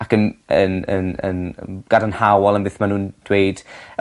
ac yn yn yn yn yym gadarnhaol am beth ma' nw'n dweud